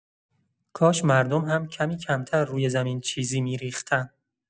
کاش مردم هم کمی کمتر روی زمین چیزی می‌ریختن.